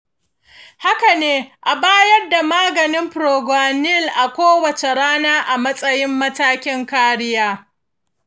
haka ne, a bayar da maganin proguanil a kowace rana a matsayin matakin kariya.